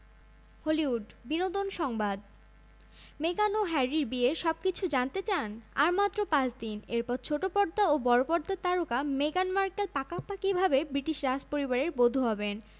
কালো রঙের সাথে মেরুনসহ বিভিন্ন রঙের ডিজাইনের সাথে ঐশ্বরিয়ার সাজ সজ্জাটি সাজানো ছিল কান রাণী সহজেই রেড কার্পেটে